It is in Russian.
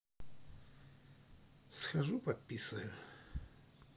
схожу пописаю